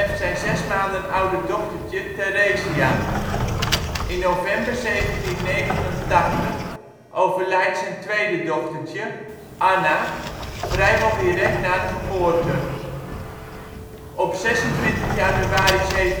zijn zes maanden oude dochtertje Theresia. In november 1789 overlijdt zijn tweede dochtertje, Anna, vrijwel direct na de geboorte. Op 26 januari 1790 —